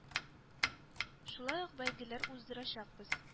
Шулай ук бәйгеләр уздырачакбыз